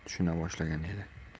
tushuna boshlagan edi